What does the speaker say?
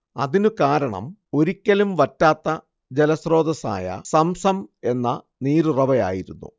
അതിനു കാരണം ഒരിക്കലും വറ്റാത്ത ജലസ്രോതസ്സായ സംസം എന്ന നീരുറവയായിരുന്നു